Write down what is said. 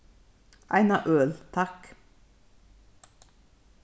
eina øl takk